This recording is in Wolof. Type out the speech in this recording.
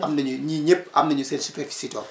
am nañu ñii ñëpp am nañu seen superficie tool